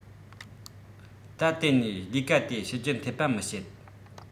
ད གཏན ནས ལས ཀ དེ བྱེད རྒྱུ འཐད པ མི བྱེད